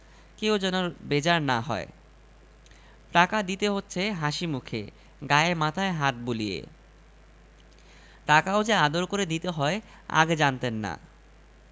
কেউ যেন বেজার না হয় টাকা দিতে হচ্ছে হাসিমুখে গায়ে মাথায় হাত বুলিয়ে টাকাও যে আদর করে দিতে হয় আগে জানতেন না